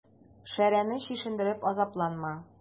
Шәрәне чишендереп азапланма.